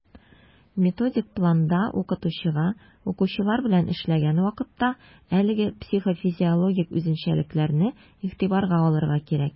Методик планда укытучыга, укучылар белән эшләгән вакытта, әлеге психофизиологик үзенчәлекләрне игътибарга алырга кирәк.